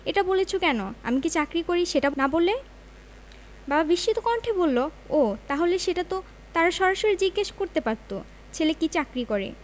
এটা বলেছ কেন আমি কী চাকরি করি সেটা না বলে বাবা বিস্মিত কণ্ঠে বলল ও তাহলে সেটা তো তারা সরাসরি জিজ্ঞেস করতে পারত ছেলে কী চাকরি করে